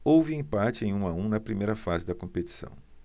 houve empate em um a um na primeira fase da competição